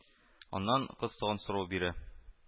Аннан кыз тагын сорау бирә: